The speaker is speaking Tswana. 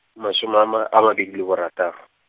masome ama a mabedi le borataro.